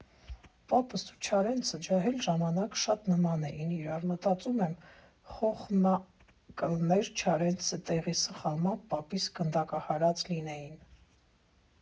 Պապս ու Չարենցը ջահել ժամանակ շատ նման էին իրար, մտածում եմ՝ խոխմա կըլներ Չարենցի տեղը սխալմամբ պապիս գնդակահարած լինեին։